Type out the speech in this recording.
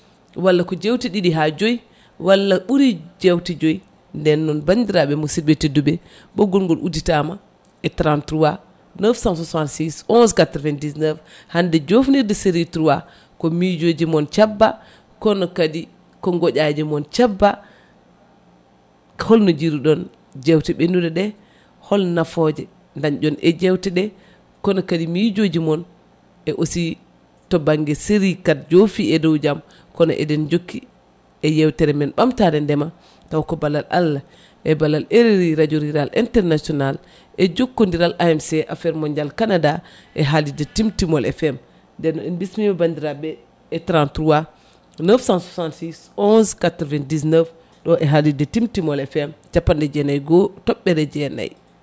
walla ko jewte ɗiɗi ha jpyyi walla ɓuuri jewte jooyi nden noon banfditbe musiɓe tedduɓe aɓoggkol ngol udditama e 33 966 11 99 hande jofnirde série 3ko mijoji moon cabba kono kadi ko gaƴaji moon holno jiiru ɗon jewte ɓennuɗe hol nafoje dañɗon e jewteɗe kono kadi mijoji moon e aussi to banggue série joofi e dow jaam kono eɗen jokki e yewtere men ɓamtare ndeema taw ko ballal Allah e baalal RRI radio rural international e jokkodiral MAC affaire mondial Canada e haalirde Timtimol FM nden noon en bismima bandiraɓe 33 966 11 99 ɗo e haalirde Timtimol FM capanɗe jeenayyi e goho toɓɓere jeenayyi